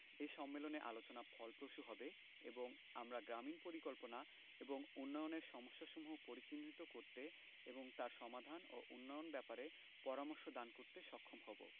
এ সম্মেলনে আলোচনা ফলপ্রসূ হবে এবং আমরা গ্রামীন পরিকল্পনা এবং উন্নয়নের সমস্যাসমূহ পরিচিহ্নিত করতে এবং তার সমাধান ও উন্নয়ন ব্যাপারে পরামর্শ দান করতে সক্ষম হবো